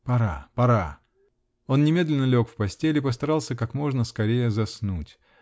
пора, пора!" Он немедленно лег в постель и постарался как можно скорее заснуть .